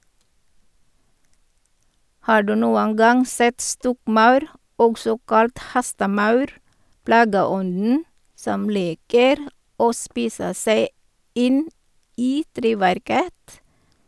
Har du noen gang sett stokkmaur , også kalt hestemaur, plageånden som liker å spise seg inn i treverket?